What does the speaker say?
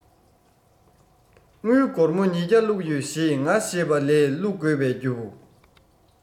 དངུལ སྒོར མོ ཉི བརྒྱ བླུག ཡོད ཞེས ང ཞེས པ ལས བླུག དགོས པའི རྒྱུ